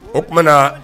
O tumana